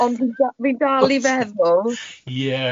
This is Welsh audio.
ond fi'n da- fi'n dal i feddwl... Ie.